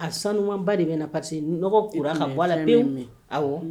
A sanuba de bɛna na pari que nɔgɔ ka bɔ pe aw